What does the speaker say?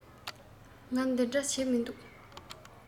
ང འདི འདྲ བྱེད མི འདུག